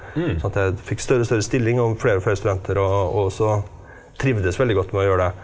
sånn at jeg fikk større og større stilling og fler og fler studenter, og og også trivdes veldig godt med å gjøre det.